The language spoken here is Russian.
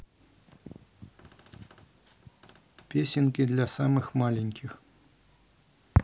песенки для самых маленьких